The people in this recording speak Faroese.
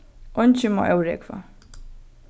eingin má órógva